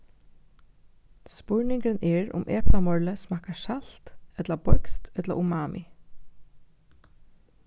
spurningurin er um eplamorlið smakkar salt ella beiskt ella umami